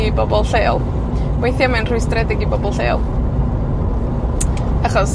i bobol lleol. Weithia' mae'n rhwystredig i bobol lleol, achos